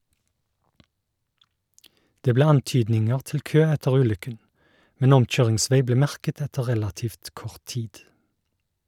Det ble antydninger til kø etter ulykken, men omkjøringsvei ble merket etter relativt kort tid.